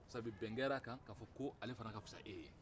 sabu bɛn kɛr'a kan ka fɔ k'ale fɛnɛ ka fisa e ye